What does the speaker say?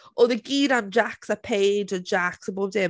Oedd e gyd am Jacques a Paige a Jacques a bob dim.